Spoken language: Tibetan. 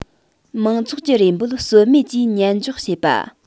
མང ཚོགས ཀྱི རེ འབོད ཟོལ མེད ཀྱིས ཉན འཇོག བྱེད པ